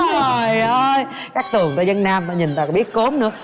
trời ơi cát tường ta dân nam ta nhìn ta cũng biết cốm nữa